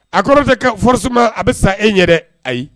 A kɔrɔ tɛ forosima a bɛ sa e ɲɛ dɛ ayi